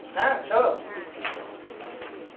হ্যাঁ চলো